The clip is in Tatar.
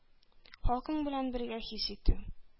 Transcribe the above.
Халкың белән бергә хис итү!